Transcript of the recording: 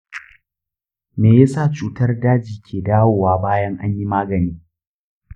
me yasa cutar daji ke dawowa bayan an yi magani?